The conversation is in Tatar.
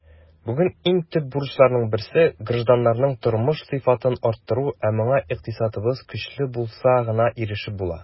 Бүген иң төп бурычларның берсе - гражданнарның тормыш сыйфатын арттыру, ә моңа икътисадыбыз көчле булса гына ирешеп була.